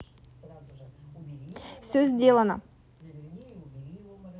все сделано